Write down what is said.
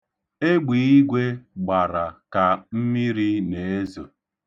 Egbiigwe gbara ka mmiri na-ezo.